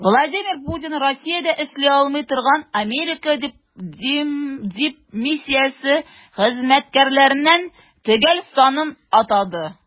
Владимир Путин Россиядә эшли алмый торган Америка дипмиссиясе хезмәткәрләренең төгәл санын атады.